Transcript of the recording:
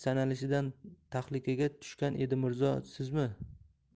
sanalishidan tahlikaga tushgan edi mirzo sizmi